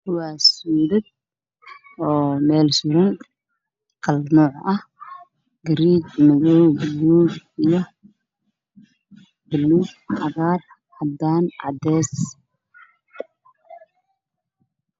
Waa suudad oo meel suran